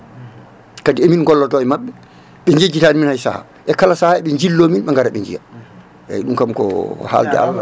kadi emin gollodo e mabɓe ɓe jejjitani min hay saaha e kala saaha eɓe jillo min ɓe gara ɓe jiiya eyyi ɗum kam ko haaldude Allah